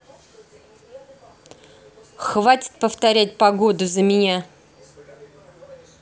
хватит повторять погоду за меня